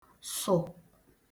sụ̀